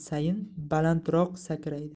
sayin balandroq sakraydi